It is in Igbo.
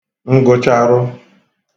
ngụcharụ